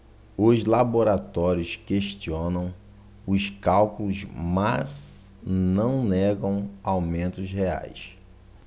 os laboratórios questionam os cálculos mas não negam aumentos reais